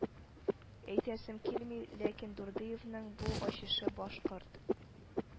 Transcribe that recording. Әйтәсем килми, ләкин дурдыевның бу «ачышы» башкорт